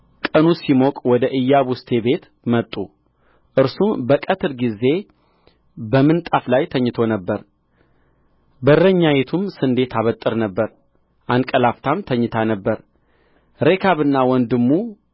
ቀኑ ሲሞቅ ወደ ኢያቡስቴ ቤት መጡ እርሱም በቀትር ጊዜ በምንጣፍ ላይ ተኝቶ ነበር በረኛይቱም ስንዴ ታበጥር ነበር አንቀላፍታም ተኝታ ነበር ሬካብና ወንድሙ